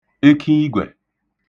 ekiigwẹ